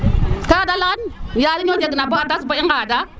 ka de leyan ya reunion jeg na ba o tas bo i ngaada